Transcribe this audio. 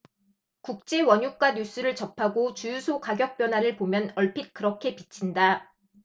국제 원유가 뉴스를 접하고 주유소 가격 변화를 보면 얼핏 그렇게 비친다